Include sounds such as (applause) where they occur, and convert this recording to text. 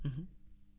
(hesitation) (hesitation)